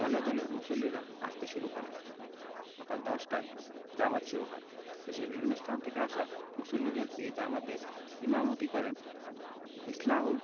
দলে দলে মুসল্লিরা আসতে শুরু করেন সকাল ১০টায় জামাত শুরু হয় দেশের বিভিন্ন স্থান থেকে আসা মুসল্লিদের এই জামাতে ইমামতি করেন ইসলাহুল